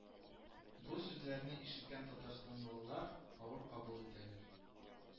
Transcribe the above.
Бу сүзләрне ишеткән Татарстанлылар авыр кабул иттеләр